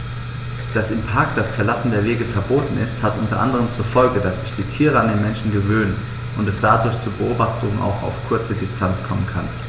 Dass im Park das Verlassen der Wege verboten ist, hat unter anderem zur Folge, dass sich die Tiere an die Menschen gewöhnen und es dadurch zu Beobachtungen auch auf kurze Distanz kommen kann.